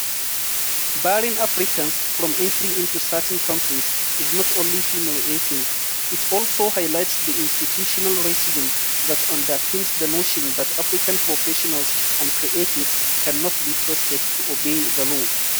Barring Africans from entry into certain countries is not only humiliating — it also highlights the institutional racism that underpins the notion that African professionals and creatives cannot be trusted to obey the law.